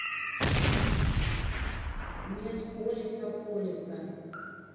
нет полиса полиса